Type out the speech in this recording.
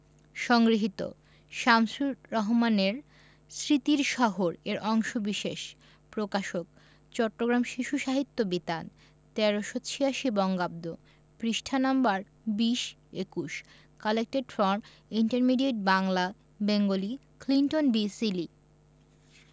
সংগৃহীত শামসুর রহমানের স্মৃতির শহর এর অংশবিশেষ প্রকাশকঃ চট্টগ্রাম শিশু সাহিত্য বিতান ১৩৮৬ বঙ্গাব্দ পৃষ্ঠাঃ ২০ ২১ collected from intermediate Bangla Bengali Clinton B Seely